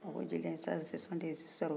a ko jeliya sa se sɔn dɛ zistɔri